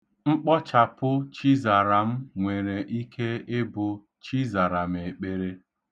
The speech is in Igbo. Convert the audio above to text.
Mkpọchapụ Chizaram nwere ike ịbụ Chizaramekpere.